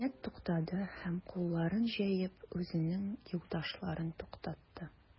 Кинәт туктады һәм, кулларын җәеп, үзенең юлдашларын туктатты.